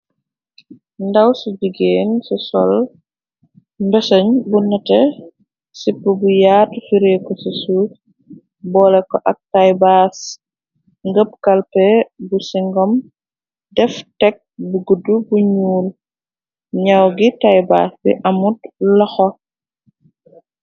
Ndaw ci jigéen ci sol mbesañ bu nate sip bu yaatu fireeku ci suuf boole ko ak taybaas ngëpp kalpe bu singom def tekk bu gudd bu ñuur ñaw gi taybaas bi amut laxo.